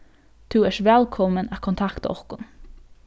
tú ert vælkomin at kontakta okkum